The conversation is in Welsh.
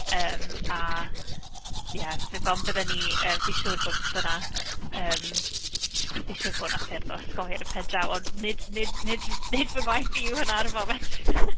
Yym a ie, fydd.... ond, fydden ni yy... fi'n siŵr bod 'na yym fi'n siŵr bod 'na ffyrdd o osgoi yn y pendraw, ond nid nid nid nid fy ngwaith fi yw hynna ar y foment .